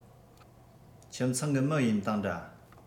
ཁྱིམ ཚང གི མི ཡིན དང འདྲ